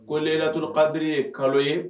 Ko lelatul kadiri ye kalo ye